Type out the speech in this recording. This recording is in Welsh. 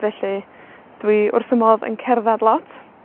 Felly, dwi wrth fy modd yn cerddad lot.